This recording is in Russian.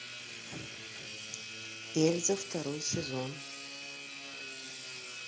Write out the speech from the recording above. эльза второй сезон